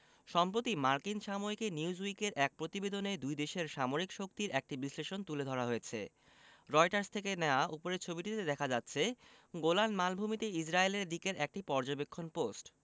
সম্প্রতি মার্কিন সাময়িকী নিউজউইকের এক প্রতিবেদনে দুই দেশের সামরিক শক্তির একটি বিশ্লেষণ তুলে ধরা হয়েছে রয়টার্স থেকে নেয়া উপরের ছবিটিতে দেখা যাচ্ছে গোলান মালভূমিতে ইসরায়েলের দিকের একটি পর্যবেক্ষণ পোস্ট